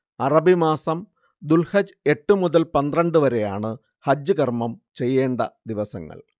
അറബിമാസം ദുൽഹജ്ജ് എട്ട് മുതൽ പന്ത്രണ്ട് വരെയാണ് ഹജ്ജ് കർമ്മം ചെയ്യേണ്ട ദിവസങ്ങൾ